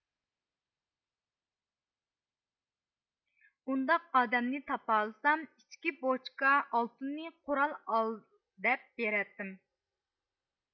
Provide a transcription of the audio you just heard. ئۇنداق ئادەمنى تاپالىسام ئىككى بوچكا ئالتۇننى قورال ئال دەپ بېرەتتىم